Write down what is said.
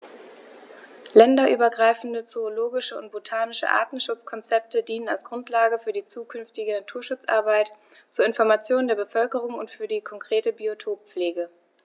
Länderübergreifende zoologische und botanische Artenschutzkonzepte dienen als Grundlage für die zukünftige Naturschutzarbeit, zur Information der Bevölkerung und für die konkrete Biotoppflege.